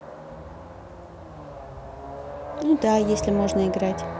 ну да если можно играть